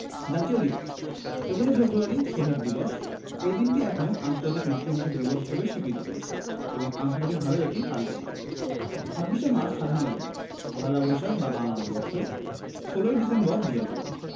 জাতীয় দিবসঃ ২১শে ফেব্রুয়ারি শহীদ দিবস এই দিনটি এখন আন্তর্জাতিক মাতৃভাষা দিবস হিসেবে স্বীকৃতি পেয়েছে এবং আন্তর্জাতিকভাবে এটি পালিত হয় ২৬শে মার্চ স্বাধীনতা দিবস পহেলা বৈশাখ বা বাংলা নববর্ষ ১৬ই ডিসেম্বর বিজয় দিবস